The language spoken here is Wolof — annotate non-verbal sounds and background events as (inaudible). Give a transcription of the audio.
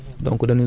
(hesitation) (hesitation)